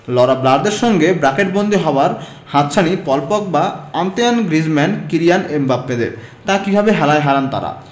লঁরা ব্লদের সঙ্গে ব্র্যাকেটবন্দি হওয়ার হাতছানি Paul Pogba Antoine Griezmann Kylian এমবাপ্পেদের তা কিভাবে হেলায় হারান তাঁরা